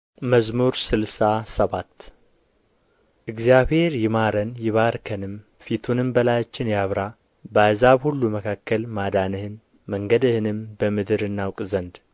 መዝሙር ስልሳ ሰባት እግዚአብሔር ይማረን ይባርከንም ፊቱንም በላያችን ያብራ በአሕዛብ ሁሉ መካከል ማዳንህን መንገድህንም በምድር እናውቅ ዘንድ